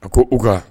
U ko uga